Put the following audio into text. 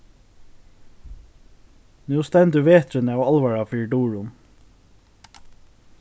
nú stendur veturin av álvara fyri durum